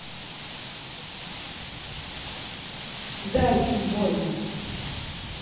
дай им больно